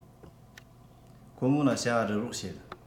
ཁོ མོ ལ བྱ བ བསྒྲུབས རོགས བྱེད